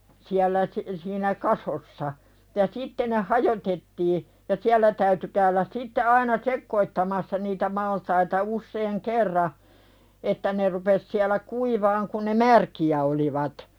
ja sitten ne hajotettiin ja siellä täytyi käydä sitten aina sekoittamassa niitä maltaita usean kerran että ne rupesi siellä kuivamaan kun ne märkiä olivat